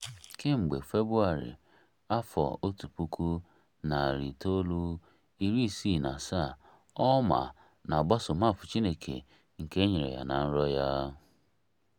Kemgbe Febụwarị 1967, Ouma na-agbaso maapụ Chineke nke e nyere ya na nrọ ya.